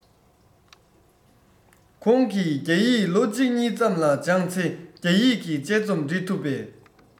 ཁོང གིས རྒྱ ཡིག ལོ གཅིག གཉིས ཙམ ལ སྦྱངས ཚེ རྒྱ ཡིག གི དཔྱད རྩོམ འབྲི ཐུབ པས